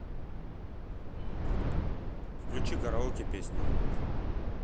включи караоке песню